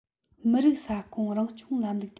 མི རིགས ས ཁོངས རང སྐྱོང ལམ ལུགས དེ